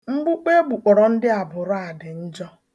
Mgbukpọ egbukpọrọ ndị abụrụ a dị njọ